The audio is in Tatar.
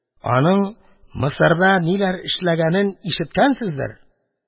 Аның Мисырда ниләр эшләгәнен ишеткәнсездер